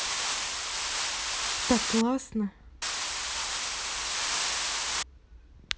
так классно